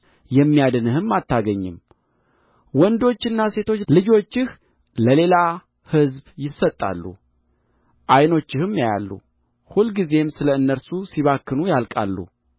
የሚያድንህም አታገኝም ወንዶችና ሴቶች ልጆችህ ለሌላ ሕዝብ ይሰጣሉ ዓይኖችህም ያያሉ ሁልጊዜም ስለ እነርሱ ሲባክኑ ያልቃሉ